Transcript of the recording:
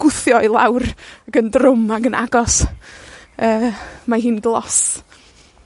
gwthio i lawr, ac yn drwm ac yn agos, yy mae hi'n glos.